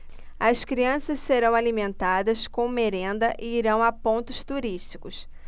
as crianças serão alimentadas com merenda e irão a pontos turísticos